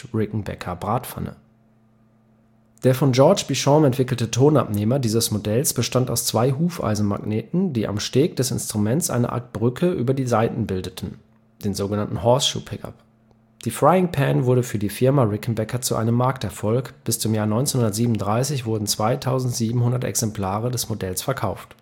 Rickenbacker-Bratpfanne “) im Programm. Der von George Beauchamp entwickelte Tonabnehmer dieses Modells bestand aus zwei Hufeisenmagneten, die am Steg des Instruments eine Art Brücke über die Saiten bildeten („ Horseshoe Pickup “). Die Frying Pan wurde für die Firma Rickenbacker zu einem Markterfolg; bis zum Jahr 1937 wurden 2700 Exemplare des Modells verkauft